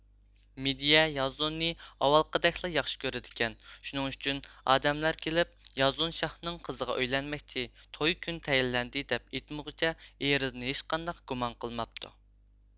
مېدېيە يازوننى ئاۋۋالقىدەكلا ياخشى كۆرىدىكەن شۇنىڭ ئۈچۈن ئادەملەر كېلىپ يازون شاھنىڭ قىزىغا ئۆيلەنمەكچى توي كۈن تەيىنلەندى دەپ ئېيتمىغۇچە ئېرىدىن ھېچقانداق گۇمان قىلماپتۇ